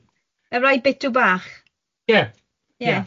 Y rai bitw bach?... Ie... Ie.